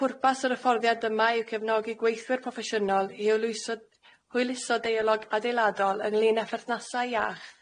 Pwrpas yr hyfforddiant yma yw cefnogi gweithwyr proffesiynol i hywyluso- hwyluso deialog adeiladol ynglŷn â pherthnasau iach.